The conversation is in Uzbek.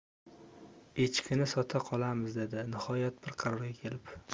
echkini sota qolamiz dedi nihoyat bir qarorga kelib